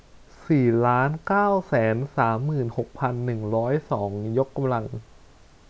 สี่ล้านเก้าแสนสามหมื่นหกพันหนึ่งร้อยสองยกกำลัง